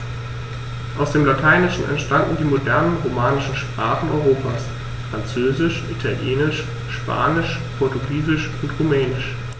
Aus dem Lateinischen entstanden die modernen „romanischen“ Sprachen Europas: Französisch, Italienisch, Spanisch, Portugiesisch und Rumänisch.